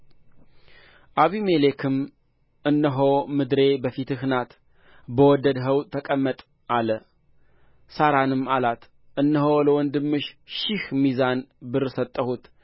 አቢሜሌክም እነሆ ምድሬ በፊትህ ናት በወደድኸው ተቀመጥ አለ ሣራንም አላት እነሆ ለወንድምሽ ሺህ ሚዛን ብር ሰጠሁት